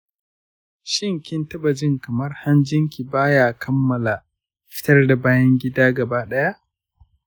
shin kina jin kamar hanjinki ba ya kammala fitar da bayan gida gaba ɗaya?